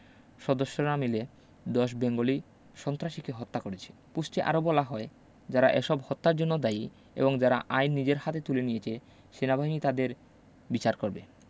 সদস্যরা মিলে ১০ বেঙ্গলি সন্ত্রাসীকে হত্যা করেছে পুস্টে আরো বলা হয় যারা এসব হত্যার জন্য দায়ী এবং যারা আইন নিজের হাতে তুলে নিয়েছে সেনাবাহিনী তাদের বিচার করবে